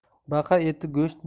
baqa eti go'sht